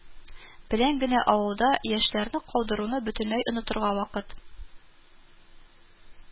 Белән генә авылда яшьләрне калдыруны бөтенләй онытырга вакыт